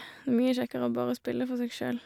Det er mye kjekkere å bare spille for seg sjøl.